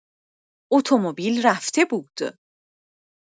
اتومبیل رفته بود.